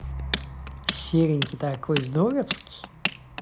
серенький такой здоровский